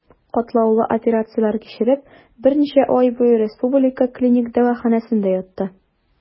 Катлаулы операцияләр кичереп, берничә ай буе Республика клиник дәваханәсендә ятты.